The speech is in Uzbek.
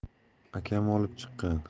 akam olib chiqqan